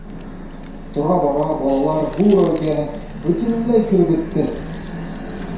Тора-бара балалар бу рольгә бөтенләй кереп бетте.